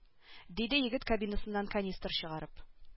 Диде егет кабинасыннан канистр чыгарып